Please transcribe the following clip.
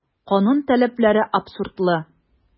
Канун таләпләре абсурдлы.